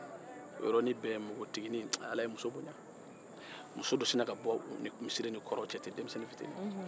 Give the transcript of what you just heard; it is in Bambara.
o yɔrɔnin bɛɛ muso dɔ sinna ka bɔ u ni kɔrɔn cɛ ten